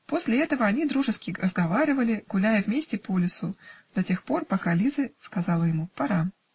После того они дружески разговаривали, гуляя вместе по лесу, до тех пор, пока Лиза сказала ему: пора.